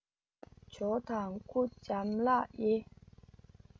ཇོ དང སྐུ ལྕམ ལགས ཡེ